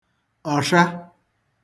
ọ̀rha